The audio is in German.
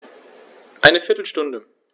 Eine viertel Stunde